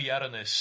Ni bia'r ynys.